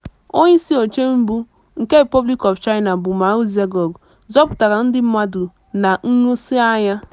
Onyeisi oche mbụ nke Republic of China bụ Mao Zedong zọpụtara ndị mmadụ na nhụsianya.